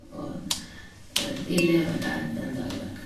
Og de lever der den dag i dag.